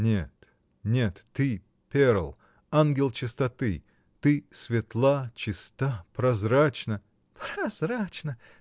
— Нет, нет, ты перл, ангел чистоты. ты светла, чиста, прозрачна. — Прозрачна?